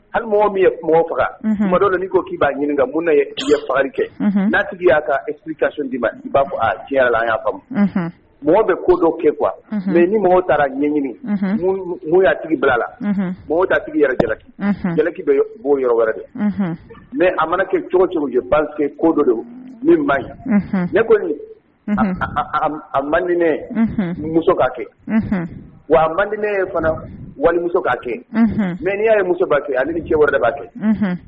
Hali mɔgɔ min ye faga madɔ n'i ko k' b'a ɲini mun i ye fa kɛ n'a tigi y'a kap ka so di ma i b'a fɔ diɲɛ la an y'a faamu mɔgɔ bɛ kodɔn kɛ kuwa mɛ ni mɔgɔ taara ɲɛɲini tigi bala la mɔgɔ da tigi yɛrɛ jalakiki dɔ b'o yɔrɔ wɛrɛ dɛ mɛ a mana kɛ cogo jurujɛ banse ko dɔ don ni ba ɲi ne ko a maninɛ numuuso ka kɛ wa manininɛ ye fana walimuso ka kɛ mɛ n y' ye musoba kɛ hali ni jɛ wɛrɛ de b'a kɛ